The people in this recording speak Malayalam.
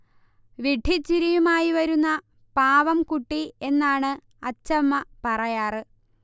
വിഡ്ഢിച്ചിരിയുമായി വരുന്ന പാവംകുട്ടി എന്നാണ് അച്ഛമ്മ പറയാറ്